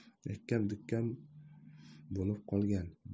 yakkam dukkam bo'lib qolgan